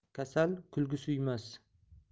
kasal kulgi suymas